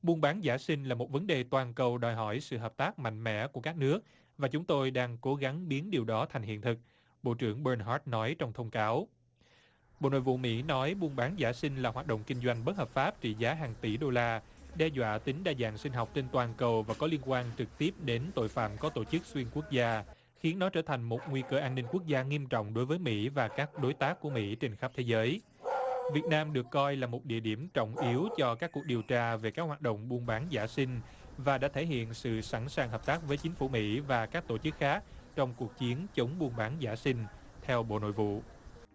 buôn bán giã sinh là một vấn đề toàn cầu đòi hỏi sự hợp tác mạnh mẽ của các nước và chúng tôi đang cố gắng biến điều đó thành hiện thực bộ trưởng bơn háp nói trong thông cáo bộ nội vụ mỹ nói buôn bán giã sinh là hoạt động kinh doanh bất hợp pháp trị giá hàng tỷ đô la đe dọa tính đa dạng sinh học trên toàn cầu và có liên quan trực tiếp đến tội phạm có tổ chức xuyên quốc gia khiến nó trở thành một nguy cơ an ninh quốc gia nghiêm trọng đối với mỹ và các đối tác của mỹ trên khắp thế giới việt nam được coi là một địa điểm trọng yếu cho các cuộc điều tra về các hoạt động buôn bán giã sinh và đã thể hiện sự sẵn sàng hợp tác với chính phủ mỹ và các tổ chức khác trong cuộc chiến chống buôn bán giã sinh theo bộ nội vụ